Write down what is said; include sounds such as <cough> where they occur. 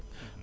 <hesitation> <hesitation>